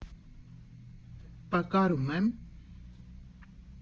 Պա կարում ե՞մ։